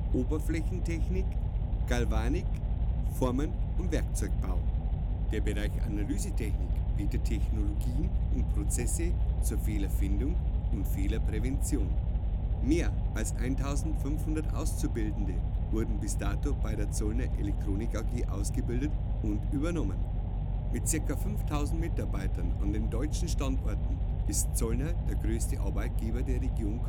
Oberflächentechnik, Galvanik, Formen - und Werkzeugbau. Der Bereich Analysetechnik bietet Technologien und Prozesse zur Fehlerursachenfindung und Fehlerprävention. Mehr als 1.500 Auszubildende wurden bis dato bei der Zollner Elektronik AG ausgebildet und übernommen. Mit circa 5.000 Mitarbeitern an den deutschen Standorten ist Zollner der größte Arbeitgeber der Region